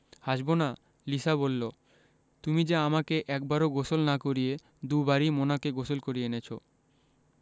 হাসবোনা লিসা বললো তুমি যে আমাকে একবারও গোসল না করিয়ে দুবারই মোনাকে গোসল করিয়ে এনেছো